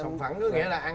sòng phẳng có nghĩa là ăn